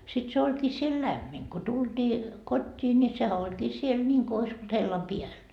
sitten se olikin siellä lämmin kun tultiin kotiin niin sehän olikin siellä niin kuin olisi ollut hellan päällä